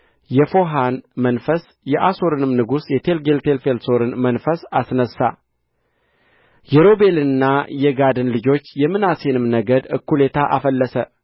የፎሐን መንፈስ የአሦርንም ንጉሥ የቴልጌልቴልፌልሶርን መንፈስ አስነሣ የሮቤልንና የጋድን ልጆች የምናሴንም ነገድ እኵሌታ አፈለሰ